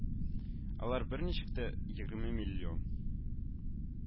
Алар берничек тә егерме миллион